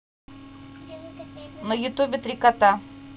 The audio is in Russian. на ютубе три кота